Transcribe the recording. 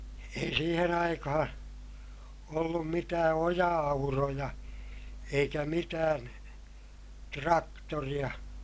ei siihen aikaan ollut mitään oja-auroja eikä mitään traktoreita